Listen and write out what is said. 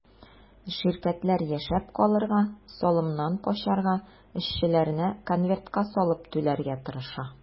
Ширкәтләр яшәп калырга, салымнан качарга, эшчеләренә конвертка салып түләргә тырыша.